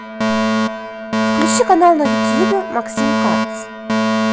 включи канал на ютубе максим кац